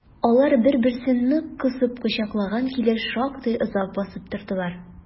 Алар бер-берсен нык кысып кочаклаган килеш шактый озак басып тордылар.